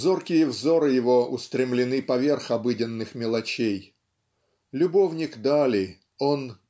зоркие взоры его устремлены поверх обыденных мелочей. Любовник дали он